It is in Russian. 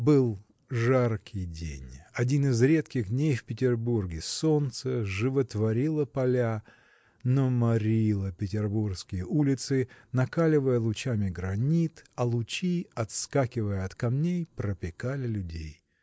Был жаркий день, один из редких дней в Петербурге солнце животворило поля но морило петербургские улицы накаливая лучами гранит а лучи отскакивая от камней пропекали людей.